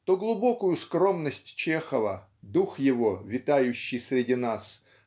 то глубокую скромность Чехова дух его витающий среди нас